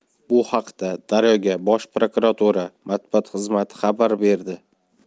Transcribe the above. bu haqda daryo ga bosh prokuratura matbuot xizmati xabar berdi